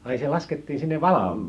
ai se laskettiin sinne -